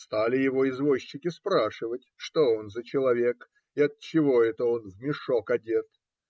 стали его извозчики спрашивать, что он за человек и отчего это он в мешок одет.